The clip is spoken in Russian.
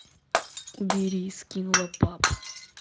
убери скинула папа